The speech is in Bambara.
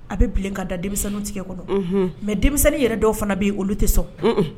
A be bilen k'a da denmisɛnninw tigɛ kɔnɔ unun mais denmisɛnnin yɛrɛ dɔw fana be ye olu te sɔn un-un